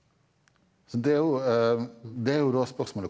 så det er jo det er jo da spørsmålet.